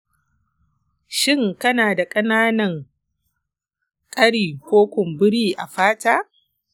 shin kana da ƙananan ƙari ko kumburi a fata?